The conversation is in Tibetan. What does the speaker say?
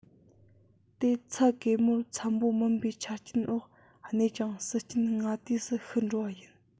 དེ ཚད གེ མོར འཚམ པོ མིན པའི ཆ རྐྱེན འོག གནས ཀྱང སྲིད རྐྱེན སྔ དུས སུ ཤི འགྲོ བ ཡིན